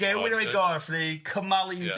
Ie gewyn o'i gorff neu cymal